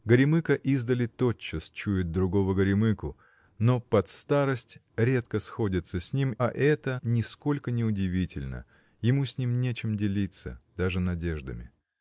Горемыка издали тотчас чует другого горемыку, но под старость редко сходится с ним, и это нисколько не удивительно: ему с ним нечем делиться, -- даже надеждами.